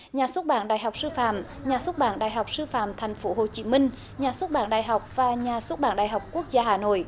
nhà xuất bản đại học sư phạm nhà xuất bản đại học sư phạm thành phố hồ chí minh nhà xuất bản đại học và nhà xuất bản đại học quốc gia hà nội